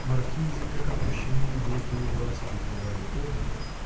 маркизы, как опущенные веки у глаз, прикрывали окна